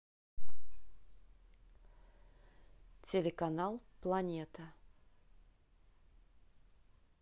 телеканал планета